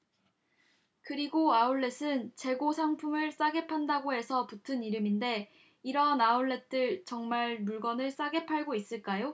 그리고 아웃렛은 재고 상품을 싸게 판다고 해서 붙은 이름인데 이런 아웃렛들 정말 물건을 싸게 팔고 있을까요